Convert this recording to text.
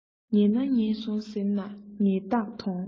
ཉེས ན ཉེས སོང ཟེར ནས ཉེས གཏགས ཐོངས